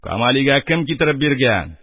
— камалига кем китереп биргән?